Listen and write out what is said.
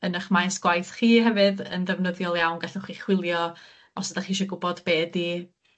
yn 'ych maes gwaith chi hefyd yn defnyddiol iawn gallwch chi chwilio os 'dach chi isio gwbod be' 'di